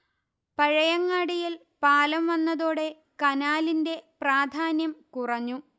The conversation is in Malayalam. പഴയങ്ങാടിയിൽ പാലം വന്നതോടെ കനാലിന്റെ പ്രാധാന്യം കുറഞ്ഞു